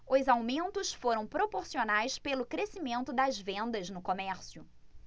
os aumentos foram proporcionados pelo crescimento das vendas no comércio